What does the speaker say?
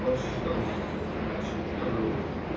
Вот что значит труд!